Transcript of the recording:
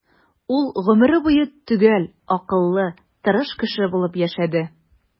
Ул гомере буе төгәл, акыллы, тырыш кеше булып яшәде.